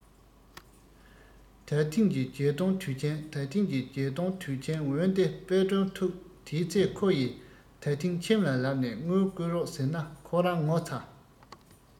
ད ཐེངས ཀྱི རྒྱལ སྟོན དུས ཆེན ད ཐེངས ཀྱི རྒྱལ སྟོན དུས ཆེན འོན ཏེ དཔལ སྒྲོན ཐུགས དེའི ཚེ ཁོ ཡི ད ཐེངས ཁྱིམ ལ ལབ ནས དངུལ བསྐུར རོགས ཟེར ན ཁོ རང ངོ ཚ